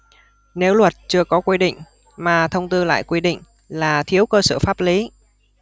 nếu luật chưa có quy định mà thông tư lại quy định là thiếu cơ sở pháp lý